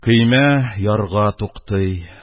КӨЙМӘ ярга туктый